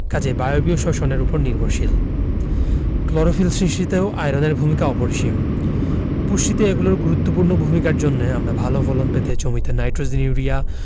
কাজেই বায়বীয় শ্বসন এর উপর নির্ভরশীল ক্লোরোফিল সৃষ্টিতেও আয়রনের ভূমিকা অপরিসীম পুষ্টিতে এগুলোর গুরুত্বপূর্ণ ভূমিকার জন্যই আমরা ভালো ফলন পেতে জমিতে নাইট্রোজেন ইউরিয়া